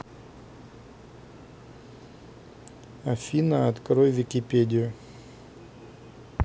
афина открой википедию